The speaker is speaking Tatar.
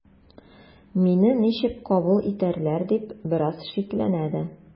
“мине ничек кабул итәрләр” дип бераз шикләнә дә.